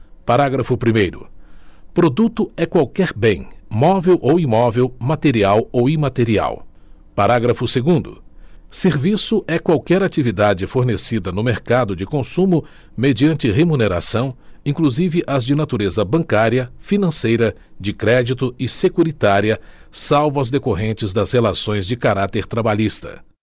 parágrafo primeiro produto é qualquer bem móvel ou imóvel material ou imaterial parágrafo segundo serviço é qualquer atividade fornecida no mercado de consumo mediante remuneração inclusive as de natureza bancária financeira de crédito e securitária salvo as decorrentes das relações de caráter trabalhista